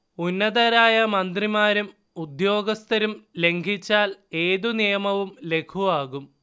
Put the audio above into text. ഉന്നതരായ മന്ത്രിമാരും ഉദ്യോഗസ്ഥരും ലംഘിച്ചാൽ ഏത് നിയമവും ലഘുവാകും